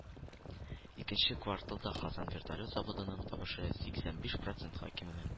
Икенче кварталда Казан вертолет заводының табышы сиксән биш процентка кимегән